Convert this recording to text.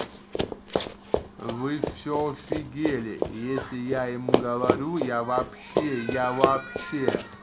вы все офигели если я ему говорю я вообще я вообще